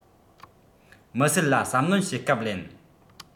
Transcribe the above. མི སེར ལ གསབ སྣོན བྱེད སྐབས ལེན